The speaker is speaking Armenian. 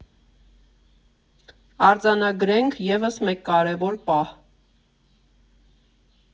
Արձանագրենք ևս մեկ կարևոր պահ.